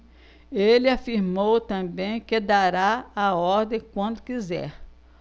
ele afirmou também que dará a ordem quando quiser